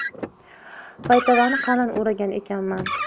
paytavani qalin o'ragan ekanman